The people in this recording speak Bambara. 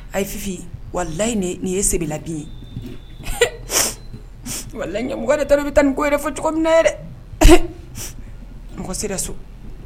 A ye fifin wa layi nin ye la bi ye wa mɔgɔ taara bɛ taa ni ko yɛrɛ fɔ cogo mɔgɔ sera so